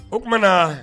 O tuma na